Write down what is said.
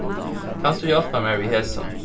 kanst tú hjálpa mær við hesum